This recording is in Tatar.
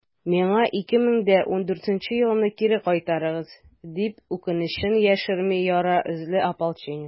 «миңа 2014 елымны кире кайтарыгыз!» - дип, үкенечен яшерми яра эзле ополченец.